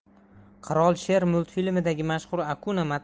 qirol sher multfilmidagi mashhur akuna